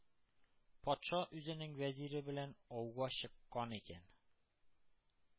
Патша үзенең вәзире белән ауга чыккан икән.